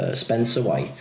Yy Spencer White.